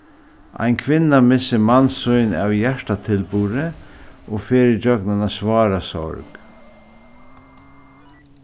ein kvinna missir mann sín av hjartatilburði og fer ígjøgnum eina svára sorg